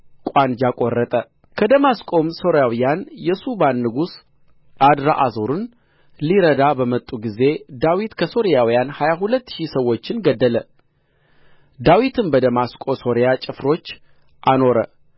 ቋንጃ ቆረጠ ከደማስቆም ሶርያውያን የሱባን ንጉሥ አድርአዛርን ሊረዱ በመጡ ጊዜ ዳዊት ከሶርያውያን ሀያ ሁለት ሺህ ሰዎችን ገደለ ዳዊትም በደማስቆ ሶርያ ጭፍሮች አኖረ